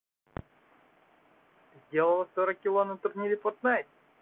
сделала сорок кило на турнире фортнайт